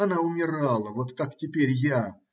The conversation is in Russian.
Она умирала, вот как теперь я.